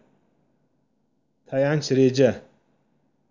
tayanch reja